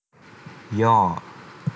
ย่อ